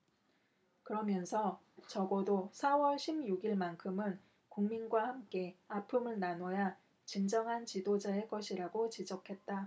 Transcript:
그러면서 적어도 사 월 십 육 일만큼은 국민과 함께 아픔을 나눠야 진정한 지도자일 것이라고 지적했다